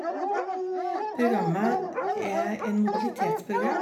Programmet er en mobilitetsprogram.